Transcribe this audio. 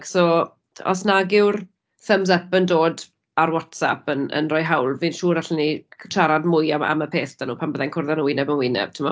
So, t- os nag yw'r thumbs up yn dod ar WhatsApp yn yn roi hawl, fi'n siŵr allwn ni c- siarad mwy am am y peth 'da nhw pan bydda i'n cwrdd â nhw wyneb yn wyneb, timod?